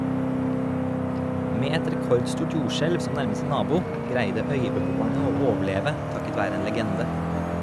Med et rekordstort jordskjelv som nærmeste nabo, greide øybeboerne å overleve takket være en legende.